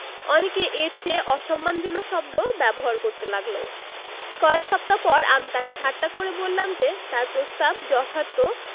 অনেকে এর চেয়ে অসম্মানজনক শব্দ ব্যবহার করতে লাগল কয়েক সপ্তাহ পর আমি তাঁকে ঠাট্টা করে বললাম যে তাঁর প্রস্তাব যথার্থ